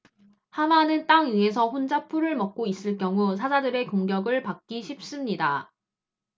하마는 땅 위에서 혼자 풀을 먹고 있을 경우 사자들의 공격을 받기 쉽습니다